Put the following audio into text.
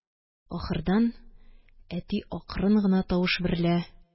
Ахырдан әти акрын гына тавыш берлә